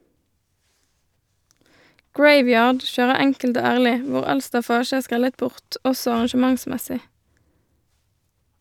Graveyard kjører enkelt og ærlig, hvor all staffasje er skrellet bort også arrangementsmessig.